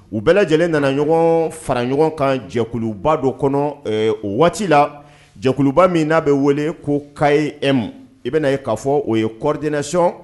U bɛɛ lajɛlen nana ɲɔgɔn fara ɲɔgɔn kan jɛkuluba dɔ kɔnɔ o waati la jɛkuluba min n'a bɛ wele ko CAEM e bɛna ye k'a fɔ coordination